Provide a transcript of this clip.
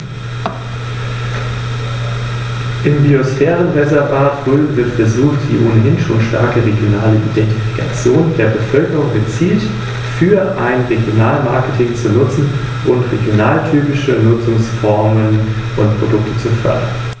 Damit beherrschte Rom den gesamten Mittelmeerraum.